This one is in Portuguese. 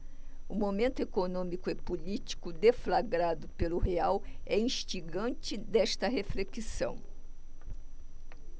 o momento econômico e político deflagrado pelo real é instigante desta reflexão